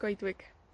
goedwig.